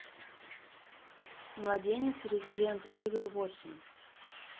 младенец резидент эвил восемь